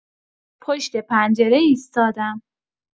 پشت پنجره ایستادم.